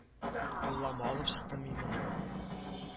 Юллама алып чыктым мин моннан